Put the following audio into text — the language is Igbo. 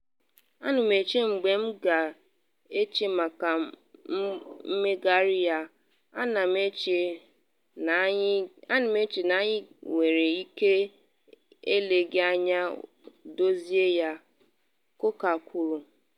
“A na m eche mgbe m na-eche maka mmegharị ya, A na m eche na anyị nwere ike eleghị anya dozie ya,” Coker kwuru.